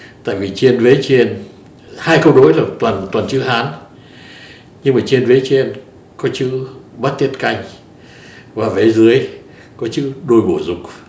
tại vì chiên dưới chiên hai câu đối là toàn toàn chữ hán nhưng mà trên vế trên có chữ bát tiết canh và vế dưới có chữ đôi bổ dục